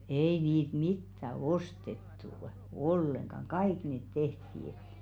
ei niitä mitään ostettu ollenkaan kaikki ne tehtiin